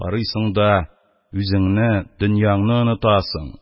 Карыйсың да үзеңне, дөньяңны онытасың